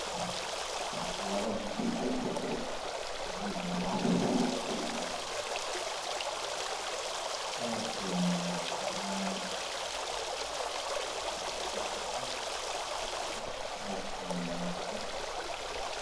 Labo jijin jijanata gacamah lagashanayo kalara kedan waa cadan oo tushatusha ah kalark kale waa dahbi